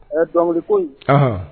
A dɔɔnin ko